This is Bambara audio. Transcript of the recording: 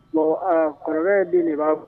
_ Bon a kɔrɔkɛ den de b'a